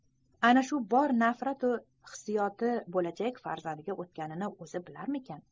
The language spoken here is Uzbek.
ana shu bor nafrati hissiyoti bo'lajak farzandiga o'tganini o'zi bilarmikin